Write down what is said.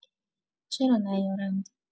چرا نیارند؟